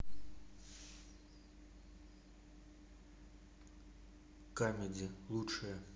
камеди лучшее